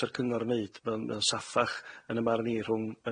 'sa'r Cyngor yn 'neud ma'n mae o'n saffach yn ym marn i rhwng